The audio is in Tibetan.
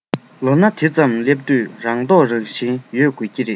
ལོ ན དེ ཙམ ལ སླེབས དུས རང རྟོགས རང བཞིན ཡོད དགོས ཀྱི རེད